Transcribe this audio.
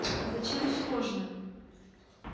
а зачем сложно